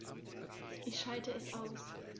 Ich schalte es aus.